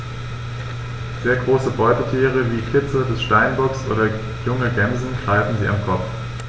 Sehr große Beutetiere wie Kitze des Steinbocks oder junge Gämsen greifen sie am Kopf.